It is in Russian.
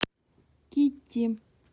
китти